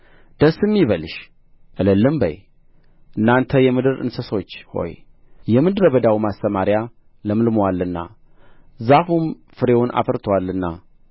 ደስም ይበልሽ እልልም በዪ እናንተ የምድር እንስሶች ሆይ የምድር በዳው ማሰማርያ ለምልሞአልና ዛፉም ፍሬውን አፍርቶአልና